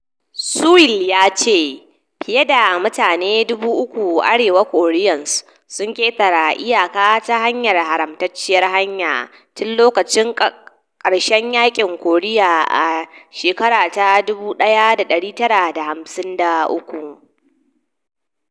Seoul ya ce fiye da mutane 30,000 Arewa Koreans sun ketare iyaka ta hanyar haramtacciyar hanya tun lokacin karshen yakin Koriya a 1953.